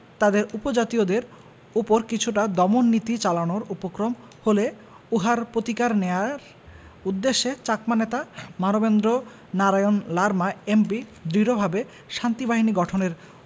তাদের উপজাতীয়দের ওপর কিছুটা দমন নীতি চালানোর উপক্রম হলে উহার প্রতিকার নেয়ার উদ্দেশে চাকমা নেতা মানবেন্দ্র নারায়ণ লারমা এম.পি. দৃঢ়ভাবে শান্তিবাহিনী গঠনের